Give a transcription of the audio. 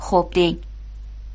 xo'p deng